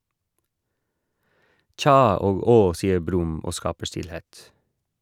"Tja" og "Åh!", sier Brumm og skaper stillhet.